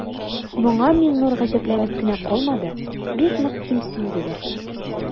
Моңа Миңнур гаҗәпләнеп кенә калмады, бик нык кимсенде дә.